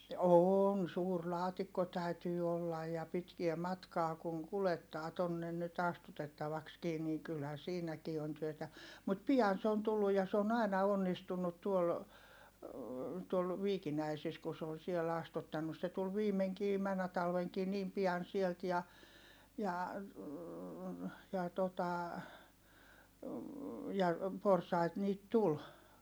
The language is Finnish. on suuri laatikko täytyy olla ja pitkää matkaa kun kuljettaa tuonne nyt astutettavaksikin niin kyllähän siinäkin on työtä mutta pian se on tullut ja se on aina onnistunut tuolla tuolla Viikinäisissä kun se on siellä astuttanut se tuli viimeinkin menneenä talvenakin niin pian sieltä ja ja ja tuota ja porsaita niitä tuli